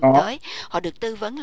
tới họ được tư vấn